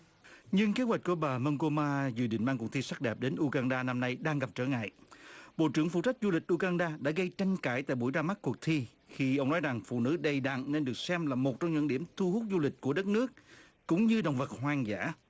nhưng kế hoạch của bà mông cô ma dự định mang cuộc thi sắc đẹp đến u gan đa năm nay đang gặp trở ngại bộ trưởng phụ trách du lịch u gan đa đảm để gây tranh cãi tại buổi ra mắt cuộc thi khi ông nói rằng phụ nữ đầy đặn nên được xem là một trong những điểm thu hút du lịch của đất nước cũng như động vật hoang dã